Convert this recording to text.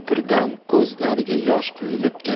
birdan ko'zlariga yosh quyulib keldi